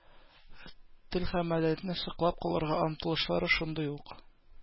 Тел һәм мәдәниятне саклап калырга омтылышлары шундый ук.